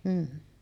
mm